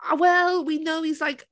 A well, we know he's like...